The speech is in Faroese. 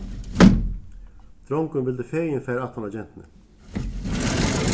drongurin vildi fegin fara aftan á gentuni